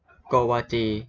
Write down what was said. โกวาจี